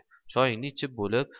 choyingni ichib bo'lib